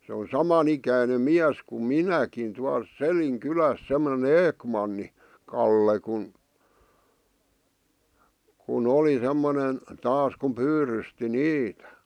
se on saman ikäinen mies kuin minäkin tuolla Selin kylässä semmoinen Ekman Kalle kun kun oli semmoinen taas kun pyydysti niitä